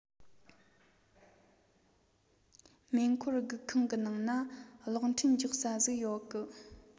མེ འཁོར སྒུག ཁང གི ནང ན གློག འཕྲིན རྒྱག ས ཟིག ར ཡོད གི